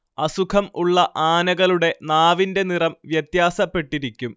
അസുഖമുള്ള ആനകളുടെ നാവിന്റെ നിറം വ്യത്യാസപ്പെട്ടിരിക്കും